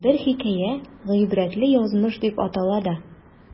Бер хикәя "Гыйбрәтле язмыш" дип атала да.